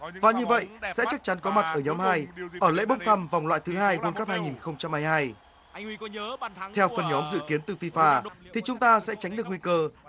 và như vậy sẽ chắc chắn có mặt ở nhóm hai ở lễ bốc thăm vòng loại thứ hai guôn cắp hai nghìn không trăm hai hai theo phân nhóm dự kiến từ phi pha thì chúng ta sẽ tránh được nguy cơ